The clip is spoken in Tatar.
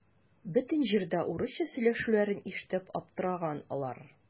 Бөтен җирдә урысча сөйләшүләрен ишетеп аптыраган алар.